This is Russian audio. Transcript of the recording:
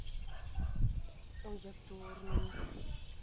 ой я пернул